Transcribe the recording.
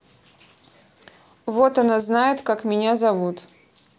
вот она знает как меня зовут